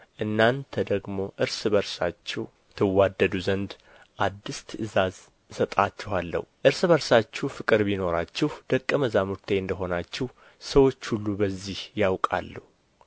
እናንተ ደግሞ እርስ በርሳችሁ ትዋደዱ ዘንድ አዲስ ትእዛዝ እሰጣችኋለሁ እርስ በርሳችሁ ፍቅር ቢኖራችሁ ደቀ መዛሙርቴ እንደ ሆናችሁ ሰዎች ሁሉ በዚህ ያውቃሉ